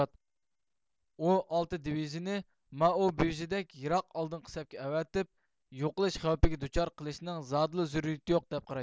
ئۇ ئالتە دېۋىزىيىنى مائۇبىۋژىدەك يىراق ئالدىنقى سەپكە ئەۋەتىپ يوقىلىش خەۋپىگە دۇچار قىلىشنىڭ زادىلا زۆرۈرىيىتى يوق دەپ قارايتتى